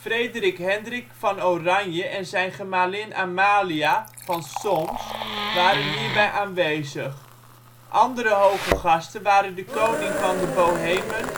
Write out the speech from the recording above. Frederik Hendrik van Oranje en zijn gemalin Amalia van Solms waren hierbij aanwezig. Andere hoge gasten waren de Koning van de Bohemen